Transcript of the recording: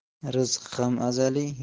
rizq ham azaliy